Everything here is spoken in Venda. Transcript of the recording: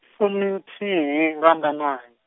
fuminthihi Lambamai.